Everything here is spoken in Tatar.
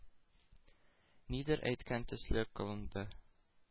Нидер әйткән төсле кылынды.